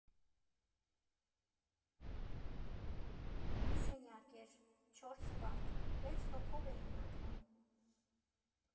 Մի սենյակ էր՝ չորս պատ, վեց հոգով էին ապրում։